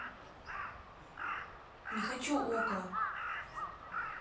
не хочу okko